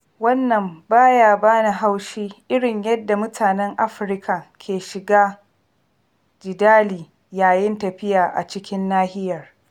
Wannan ba ya ba ni haushi irin yadda mutanen Afirka ke shiga jidali yayin tafiya a cikin nahiyar.